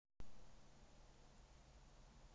ладно похуй забей